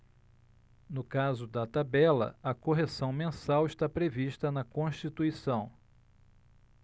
no caso da tabela a correção mensal está prevista na constituição